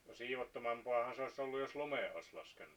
no siivottomampaahan se olisi ollut jos lumeen olisi laskenut